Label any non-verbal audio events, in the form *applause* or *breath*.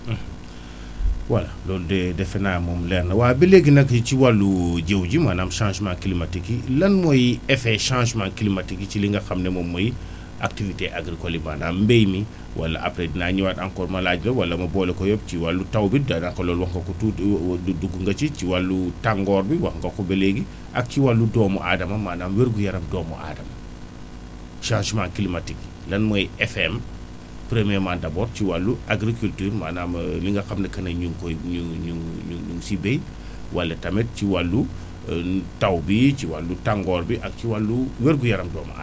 *hesitation* *breath* voilà loolu de defenaa moom leer na waa ba léegi nag ci wàllu jiw ji maanaam changement climatique yi lan mooy effet changement climatique yi ci li nga xam ne moom mooy *breath* activités agricoles yi maanaam mbéy mi wala après dinaa ñëwaat encore ma laaj la wala ma boole ko yëpp ci wàllu taw bi daanaka loolu wax nga ko tuuti *hesitation* dugg nga ci ci wàllu tàngoor bi wax nga ko léegi ak ci wàllu doomu aadama maanaam wér gu yaram doomu aadama changement climatique lan mooy effet am premièrement d' abord ci wàllu agriculture maanaam *hesitation* li nga xam ne que ne ñu ngi koy ñu ñu ñu ngi siy béy *breath* wala tamit ci wàllu *hesitation* taw bii ci wàllu tàngoor bi ak ci wàllu wér gu yaramu doomu aadama